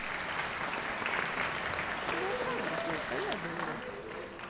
дурака везет а я дура